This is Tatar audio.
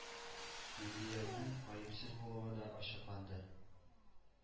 Миндиярның гаепсез булуы да ачыкланды.